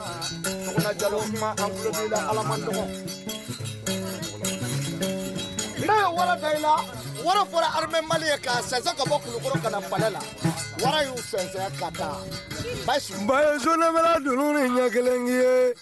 Ka ka bɔ y ɲɛ kelen ye